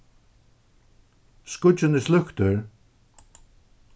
skíggin er sløktur